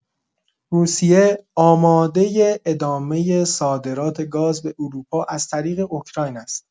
روسیه آماده ادامه صادرات گاز به اروپا از طریق اوکراین است.